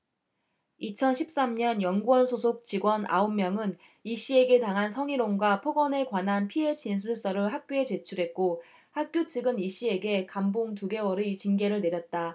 이천 십 삼 년 연구원 소속 직원 아홉 명은 이씨에게 당한 성희롱과 폭언에 관한 피해 진술서를 학교에 제출했고 학교 측은 이씨에게 감봉 두 개월의 징계를 내렸다